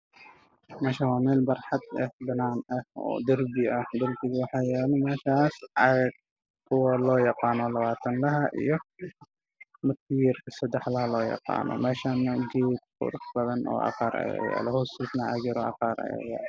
Meeshaan waa meel barxad eh banaan ah oo darbi ah darbiga waxaa yaalo meeshaas caag kuwa loo yaqaan labaa tan laha iyo midka yaroo saddex laha loo yaqaano meeshaane geedka qurux badan oo cagaar ayaa ku yaalo hoostiisana caag yar oo cagaar yaalo.